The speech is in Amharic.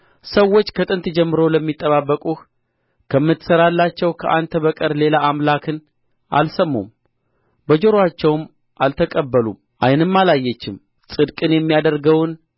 ሰዎች ከጥንት ጀምሮ ለሚጠብቁህ ከምትሠራላቸው ከአንተ በቀር ሌላ አምላክን አልሰሙም በጆሮአቸውም አልተቀበሉም ዓይንም አላየችም ጽድቅን የሚያደርገውን